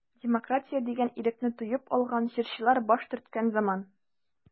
Демократия дигән ирекне тоеп алган җырчылар баш төрткән заман.